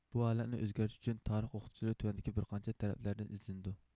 بۇ ھالەتنى ئۆزگەرتىش ئۈچۈن تارىخ ئوقۇتقۇچىلىرى تۆۋەندىكى بىر قانچە تەرەپتىن ئىزدىنىۋاتىدۇ